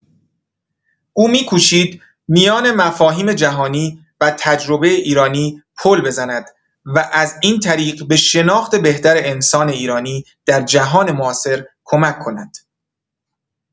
او می‌کوشید میان مفاهیم جهانی و تجربه ایرانی پل بزند و از این طریق به شناخت بهتر انسان ایرانی در جهان معاصر کمک کند.